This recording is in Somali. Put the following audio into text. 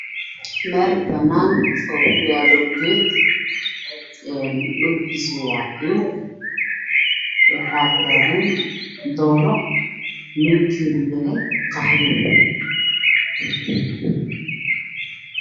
Waa wado geed ayaa ku yaal